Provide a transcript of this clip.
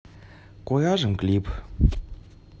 куражим клип